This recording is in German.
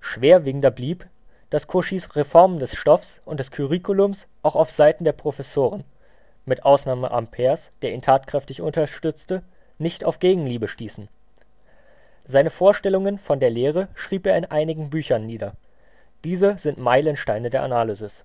Schwerwiegender blieb, dass Cauchys Reformen des Stoffs und des Curriculums auch auf Seiten der Professoren (mit Ausnahme Ampères, der ihn tatkräftig unterstützte) nicht auf Gegenliebe stießen. Seine Vorstellungen von der Lehre schrieb er in einigen Büchern nieder. Diese sind Meilensteine der Analysis